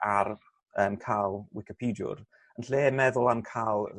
ar yym ca'l wicipediwr yn lle meddwl am ca'l